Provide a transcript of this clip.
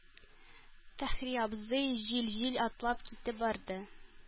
Фәхри абзый җил-җил атлап китеп барды.